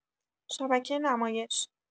شبکه نمایش